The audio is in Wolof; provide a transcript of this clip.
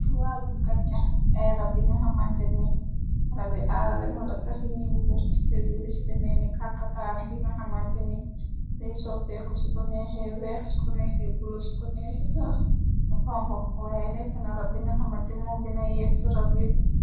Ci waalum ganchax, ay rab yi nga xamanteni rabi aala len wara sax yi ñi nyi di deff ci bërr kerr nyi. Yi ci demee ni kàkkataar bi nga xamante ni dey soppek ku. Su ko neexe weex su ko neexe bulo su ko neexe sax mu xonku waaye nekk na rab yi nga xamante moo gina yeeh si rabi yep